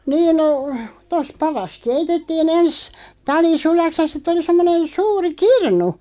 niin no tuossa padassa keitettiin ensin tali sulaksi ja sitten oli semmoinen suuri kirnu